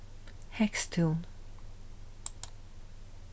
heygstún